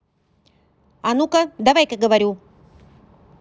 а ну ка давай ка говорю